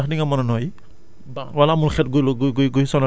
mais foofu ku fa nekk ku nekk ci yu mel noonu ndax di nga mën a noyyi